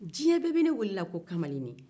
diɲɛ bɛɛ bɛ ne wele la ko kamalennin